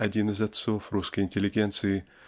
один из отцов русской интеллигенции